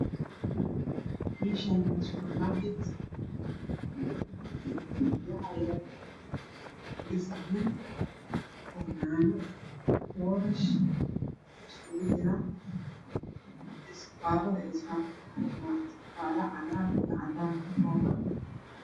Meshan waa suburmarkeet waxaa yala gasacman oo cano borash iskugu jiran iska falada ey saran tahyna waa cagar iyo cadan ka kooban